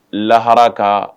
Lahara ka